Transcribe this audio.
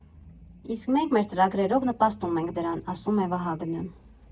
Իսկ մենք մեր ծրագրերով նպաստում ենք դրան»,֊ ասում է Վահագնը։